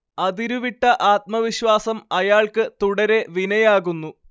അതിരുവിട്ട ആത്മവിശ്വാസം അയാൾക്ക് തുടരെ വിനയാകുന്നു